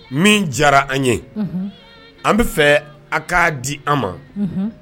Min diyara an ye, unhun, an bɛ fɛ a' k'a di an ma, unhun